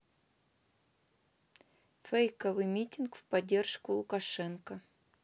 фейковый митинг в поддержку лукашенко